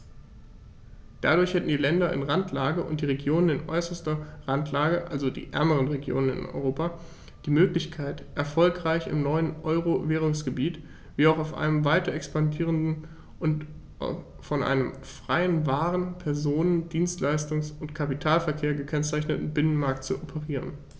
Dadurch hätten die Länder in Randlage und die Regionen in äußerster Randlage, also die ärmeren Regionen in Europa, die Möglichkeit, erfolgreich im neuen Euro-Währungsgebiet wie auch auf einem weiter expandierenden und von einem freien Waren-, Personen-, Dienstleistungs- und Kapitalverkehr gekennzeichneten Binnenmarkt zu operieren.